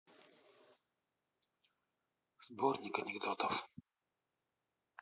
сборник анекдотов